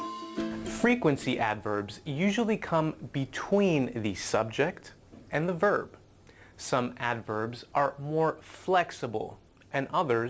phờ ruy quần ci ét vớp iu dù li căm bít thuyn gì sắp dếch en dờ vớp săm ét vớp ất mo pho lách dờ bồ en a dờ